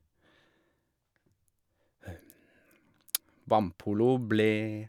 Vannpolo ble...